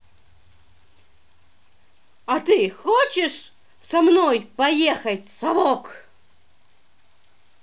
а ты хочешь со мной поехать совок